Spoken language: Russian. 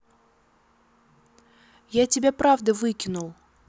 я тебя правда выкинул